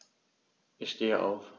Ich stehe auf.